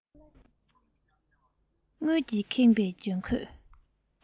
རྡུལ གྱིས ཁེངས པའི གྱོན གོས